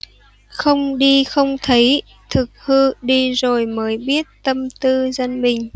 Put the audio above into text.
không đi không thấy thực hư đi rồi mới biết tâm tư dân mình